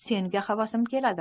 senga havasim keladi